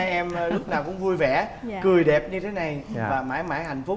hai em lúc nào cũng vui vẻ cười đẹp như thế này và mãi mãi hạnh phúc